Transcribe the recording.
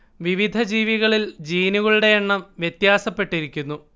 വിവിധ ജീവികളിൽ ജീനുകളുടെ എണ്ണം വ്യത്യാസപ്പെട്ടിരിക്കുന്നു